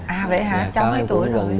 à vậy hả cháu mấy tuổi rồi